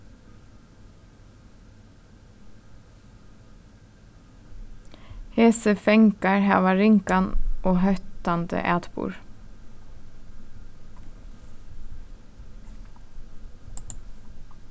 hesi fangar hava ringan og hóttandi atburð